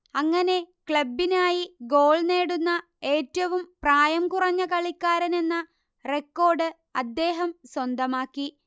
അങ്ങനെ ക്ലബ്ബിനായി ഗോൾ നേടുന്ന ഏറ്റവും പ്രായം കുറഞ്ഞ കളിക്കാരൻ എന്ന റെക്കോർഡ് അദ്ദേഹം സ്വന്തമാക്കി